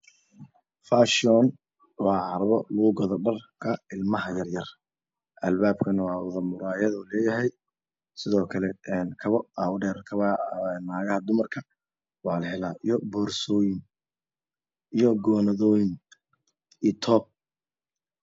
Fashiyoon waa carwo lagu gado dharka ilmaha yar yar albaabkana wada murayad wad leyahay sidokle kabo aa udheer kabaha gacaha dumarka iyo boorsooyin